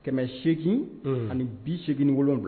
Kɛmɛ seegin ani bi segin wolonwula